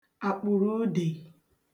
àkpụ̀rụ̀udè